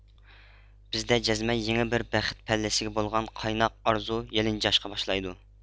بىزدە جەزمەن يېڭى بىر بەخت پەللىسىگە بولغان قايناق ئارزۇ يېلىنجاشقا باشلايدۇ